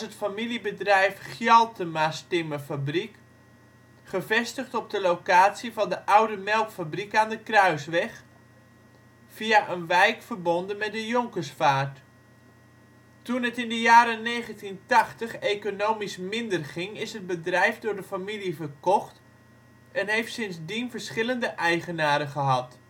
familiebedrijf Gjaltema 's Timmerfabriek, gevestigd op de locatie van de oude melkfabriek aan de Kruisweg, via een wijk verbonden met de Jonkersvaart. Toen het in de jaren 1980 economisch minder ging is het bedrijf door de familie verkocht en heeft sindsdien verschillende eigenaren gehad